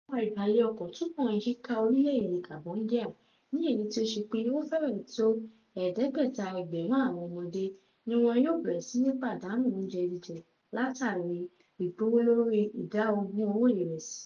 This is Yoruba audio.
Àwọn àìbalẹ̀-ọkàn túbọ̀ ń yíká orílẹ̀-èdè Cambodia ní èyí tí ó ṣe pé ó fèrẹ́ tó 500,000 àwọn ọmọdé ni wọ́n yóò bẹ̀rẹ̀ sí ní pàdánù oúnjẹ jíjẹ látàrí ìgbówólórí 20% owó ìrẹsì.